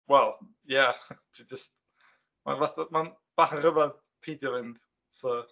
Wel ia . Dwi jyst... mae'n fath o... ma' bach yn rhyfedd peidio mynd. So...